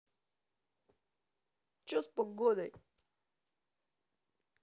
че с погодой